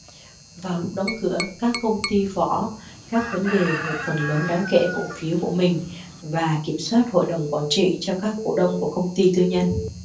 vào lúc đóng cửa các công ty vỏ các vấn đề một phần lớn đáng kể cổ phiếu của mình và kiểm soát hội đồng quản trị cho các cổ đông của công ty tư nhân